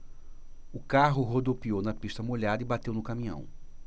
o carro rodopiou na pista molhada e bateu no caminhão